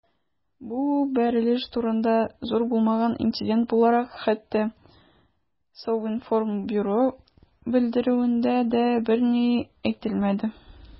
Бу бәрелеш турында, зур булмаган инцидент буларак, хәтта Совинформбюро белдерүендә дә берни әйтелмәде.